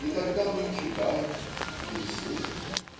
И тогда мы читаем (или слышим?